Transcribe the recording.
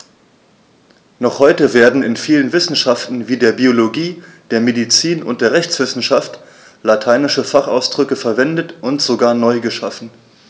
Noch heute werden in vielen Wissenschaften wie der Biologie, der Medizin und der Rechtswissenschaft lateinische Fachausdrücke verwendet und sogar neu geschaffen.